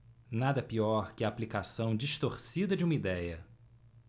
nada pior que a aplicação distorcida de uma idéia